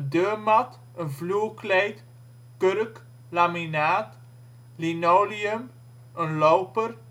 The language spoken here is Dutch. Deurmat Vloerkleed Kurk Laminaat Linoleum Loper